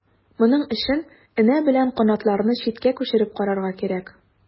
Моның өчен энә белән канатларны читкә күчереп карарга кирәк.